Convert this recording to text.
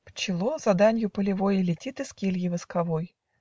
Пчела за данью полевой Летит из кельи восковой.